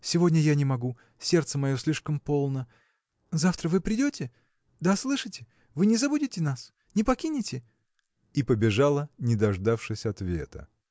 сегодня я не могу: сердце мое слишком полно. Завтра вы придете? да, слышите? вы не забудете нас? не покинете?. И побежала, не дождавшись ответа.